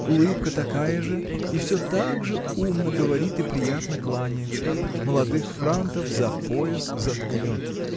Улыбка такая же, и всё так же умно говорит и приятно кланяется: молодых франтов за пояс заткнет.